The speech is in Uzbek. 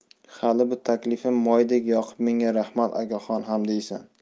hali bu taklifim moydek yoqib menga rahmat akaxon ham deysan